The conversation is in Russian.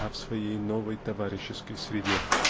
а в своей новой товарищеской среде.